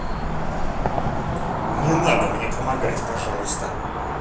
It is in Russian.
не надо мне помогать пожалуйста